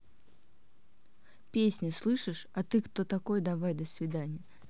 песня слышишь а ты кто такой давай до свидания